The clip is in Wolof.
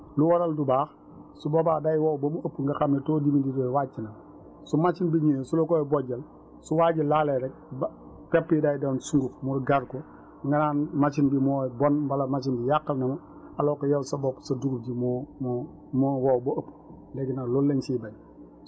lu waral du baax su boobaa day wow ba mu ëpp nga xam ne taux d' humidité bi wàcc na su machine bi ñëwee su la koy bojjal su waa ji laalee rekk ba pepp yi day doon sunguf mooy mu gar ko nga naan machine bi moo bon wala machine yàqal na ma alors yow sa bopp sa dugub ji moo moo moo wow ba ëpp léegi nag loolu lañ siy bañ